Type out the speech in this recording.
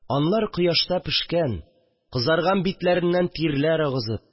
Анлар, кояшта пешкән, кызарган битләреннән тирләр агызып